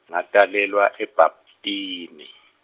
ngatalelwa eBhabtini.